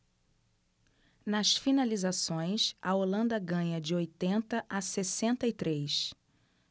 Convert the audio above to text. nas finalizações a holanda ganha de oitenta a sessenta e três